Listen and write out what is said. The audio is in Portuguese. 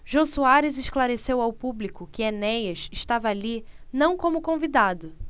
jô soares esclareceu ao público que enéas estava ali não como convidado